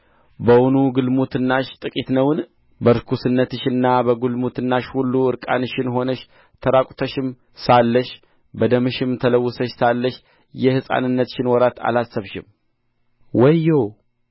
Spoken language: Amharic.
በውኑ ግልሙትናሽ ጥቂት ነውን በርኵስነትሽና በግልሙትናሽ ሁሉ ዕርቃንሽን ሆነሽ ተራቍተሽም ሳለሽ በደምሽም ተለውሰሽ ሳለሽ የሕፃንነትሽን ወራት አላሰብሽም ወዮ